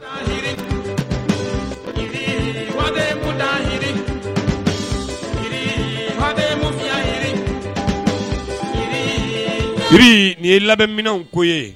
oui nin ye labɛnminɛnw ko ye!